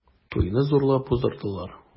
Туйны зурлап уздырдылар.